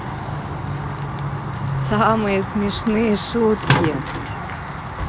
самые смешные шутки